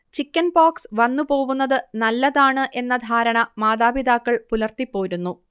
chickenpox വന്നുപോവുന്നത് നല്ലതാണു എന്ന ധാരണ മാതാപിതാക്കൾ പുലർത്തിപോരുന്നു